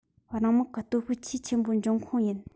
རང དམག གི སྟོབས ཤུགས ཆེས ཆེན པོའི འབྱུང ཁུངས ཡིན